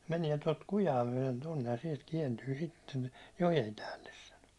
meni tuota kujaa myöten tuonne ja sieltä kääntyy sitten joen päälle sanoi